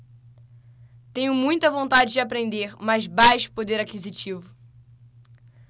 tenho muita vontade de aprender mas baixo poder aquisitivo